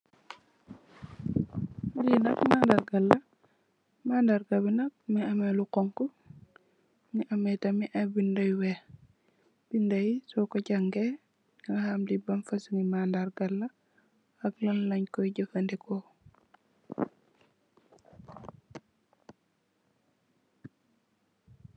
Lee nak manargal la manarga be nak muge ameh lu xonxo muge ameh tamin aye beda yu weex beda ye soku jange daga ham le ban fosunge manargal la ak lanlenkoye jufaneku.